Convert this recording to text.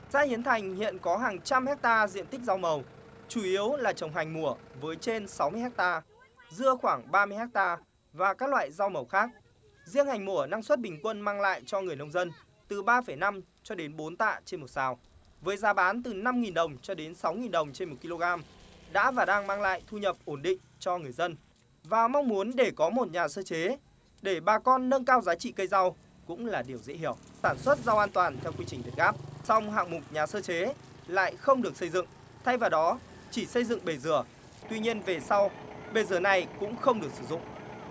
xã hiến thành hiện có hàng trăm héc ta diện tích rau màu chủ yếu là trồng hành mùa với trên sáu mươi héc ta dưa khoảng ba mươi héc ta và các loại rau màu khác riêng hành mùa năng suất bình quân mang lại cho người nông dân từ ba phẩy năm cho đến bốn tạ trên một sào với giá bán từ năm nghìn đồng cho đến sáu nghìn đồng trên một kg đã và đang mang lại thu nhập ổn định cho người dân và mong muốn để có một nhà sơ chế để bà con nâng cao giá trị cây rau cũng là điều dễ hiểu sản xuất rau an toàn theo quy trình vietgap song hạng mục nhà sơ chế lại không được xây dựng thay vào đó chị xây dựng bể dừa tuy nhiên về sau bây giờ này cũng không được sử dụng